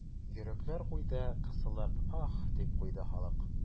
Йөрәкләр куйды кысылып, аһ, дип куйды халык.